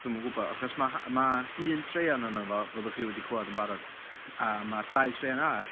Dwi'm yn gwybod, achos mae h- mae un straeon ohono fo fyddwch chi wedi clywed yn barod a mae'r dau straeon arall...